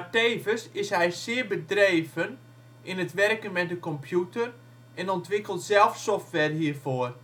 tevens is hij zeer bedreven in het werken met de computer en ontwikkelt zelf software hiervoor